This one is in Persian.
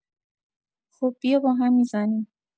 خب بیا با هم می‌زنیم